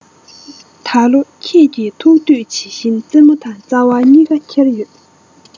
ད ལོ ཁྱེད ཀྱི ཐུགས འདོད ཇི བཞིན ཙེ མོ དང ཙ བ གཉིས ཀ འཁྱེར ཡོད